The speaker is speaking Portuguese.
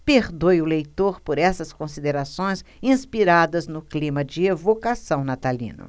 perdoe o leitor por essas considerações inspiradas no clima de evocação natalino